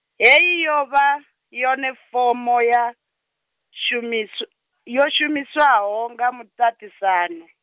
hei yo vha, yone fomo ya shumishw- , yo shumishwaho kha muṱaṱisano.